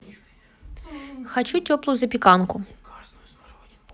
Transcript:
хочу теплую запеканку